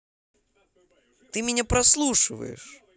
ты меня прослушиваешь